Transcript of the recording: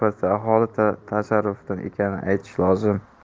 mulk sifatida aholi tasarrufida ekanini aytish lozim